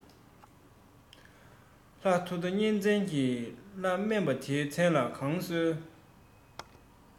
ལྷ ཐོ ཐོ གཉན བཙན གྱི བླ སྨན པ དེའི མཚན ལ གང གསོལ